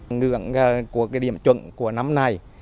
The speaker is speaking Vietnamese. ngưỡng ờ của cái điểm chuẩn của năm này